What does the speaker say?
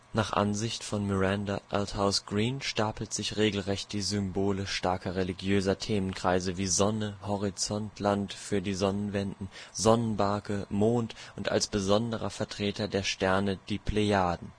Nach Ansicht von Miranda Aldhouse-Green stapeln sich regelrecht die Symbole starker religiöser Themenkreise wie Sonne, Horizontland für die Sonnenwenden, Sonnenbarke, Mond und als besondere Vertreter der Sterne die Plejaden